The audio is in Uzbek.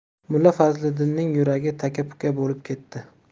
mulla fazliddinning yuragi taka puka bo'lib ketdi